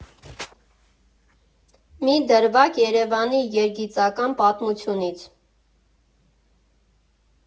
Մի դրվագ՝ Երևանի երգիծական պատմությունից։